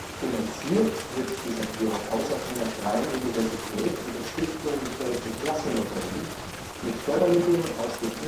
Finanziert wird die Sanierung außer von der Freien Universität und der Stiftung Deutsche Klassenlotterie mit Fördermitteln aus dem Umweltentlastungsprogramm